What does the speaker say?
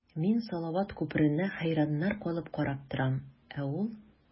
Мин салават күперенә хәйраннар калып карап торам, ә ул...